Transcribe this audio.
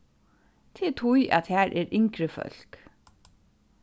tað er tí at har er yngri fólk